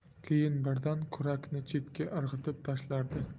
keyin birdan kurakni chetga irg'itib tashlardi